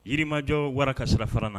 Yirilimajɔ wara ka sirafara la.